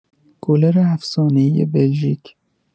گلر افسانه‌ای بلژیک